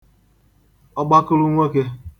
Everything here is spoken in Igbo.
ọgbakụlụ nwokē